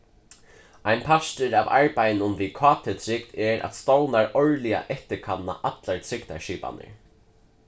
ein partur av arbeiðinum við kt-trygd er at stovnar árliga eftirkanna allar trygdarskipanir